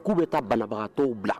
Ku be taa banabagatɔw bila.